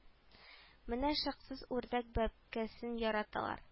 Мине шыксыз үрдәк бәбкәсен яраталар